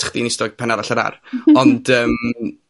chdi'n iste, pen arall yr ar. ond yym,